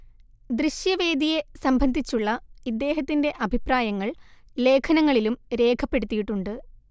ദൃശ്യവേദിയെ സംബന്ധിച്ചുള്ള ഇദ്ദേഹത്തിന്റെ അഭിപ്രായങ്ങൾ ലേഖനങ്ങളിലും രേഖപ്പെടുത്തിയിട്ടുണ്ട്